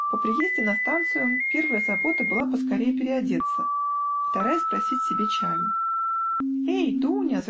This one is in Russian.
По приезде на станцию, первая забота была поскорее переодеться, вторая спросить себе чаю. "Эй, Дуня!